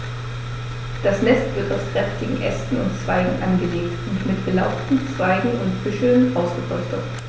Das Nest wird aus kräftigen Ästen und Zweigen angelegt und mit belaubten Zweigen und Büscheln ausgepolstert.